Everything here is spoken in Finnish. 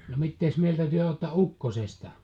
no mitä mieltä te olette ukkosesta